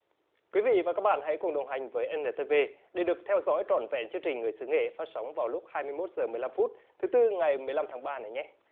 quý vị và các bạn hãy cùng đồng hành với en nờ tê vê để được theo dõi trọn vẹn chương trình người xứ nghệ phát sóng vào lúc hai mươi mốt giờ mười lăm phút thứ tư ngày mười lăm tháng ba này nhé